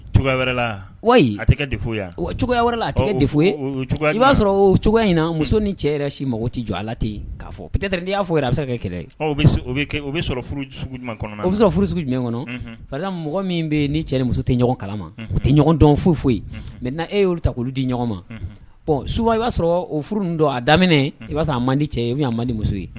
A cogoya wɛrɛ a tɛfu ye i b'a sɔrɔ o cogoya in na muso ni cɛ si mako tɛ jɔ ala ten'a fɔ ptɛta di y'a fɔ a bɛ se ka kɛlɛ o bɛ furu jumɛn kɔnɔ fari mɔgɔ min bɛ ni cɛ ni muso tɛ ɲɔgɔn kalama o tɛ dɔn foyi foyi ye mɛ na e' ta' di ɲɔgɔn ma ɔ suba i b'a sɔrɔ o furu a daminɛ i b'a sɔrɔ a man di cɛ ye u y' man di muso ye